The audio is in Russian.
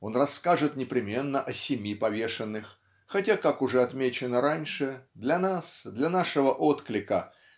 он расскажет непременно о семи повешенных хотя как уже отмечено раньше для нас для нашего отклика